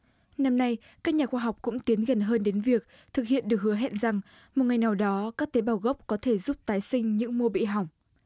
năm nay các nhà khoa học cũng tiến gần hơn đến việc thực hiện được hứa hẹn rằng một ngày nào đó các tế bào gốc có thể giúp tái sinh những mô bị hỏng